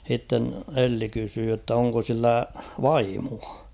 sitten Elli kysyi jotta onko sillä vaimoa